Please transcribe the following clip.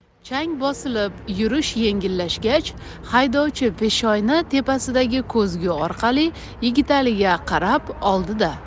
chang bosilib yurish yengillashgach haydovchi peshoyna tepasidagi ko'zgu orqali yigitaliga qarab oldi da